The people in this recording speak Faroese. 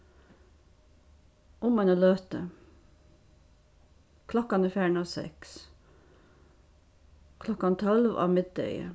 um eina løtu klokkan er farin av seks klokkan tólv á middegi